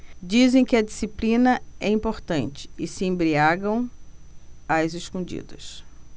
dizem que a disciplina é importante e se embriagam às escondidas